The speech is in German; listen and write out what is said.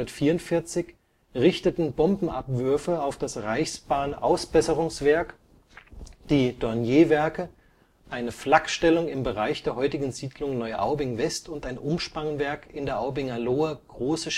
44 richteten Bombenabwürfe auf das Reichsbahn-Ausbesserungswerk, die Dornier-Werke, eine Flak-Stellung im Bereich der heutigen Siedlung Neuaubing-West und ein Umspannwerk in der Aubinger Lohe große